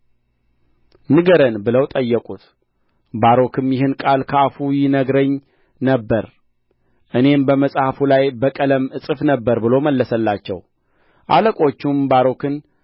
ንገረን ብለው ጠየቁት ባሮክም ይህን ቃል ከአፉ ይነግረኝ ነበር እኔም በመጽሐፉ ላይ በቀለም እጽፍ ነበር ብሎ መለሰላቸው አለቆቹም ባሮክን